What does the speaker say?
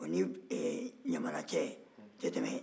o ni ɛ ɲamana cɛ tɛ tɛmɛ